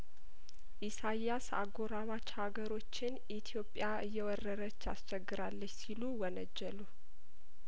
ኢሳያስ አጐራባች ሀገሮችን ኢትዮጵያ እየወረረች አስቸግ ራለች ሲሉ ወነጀሉ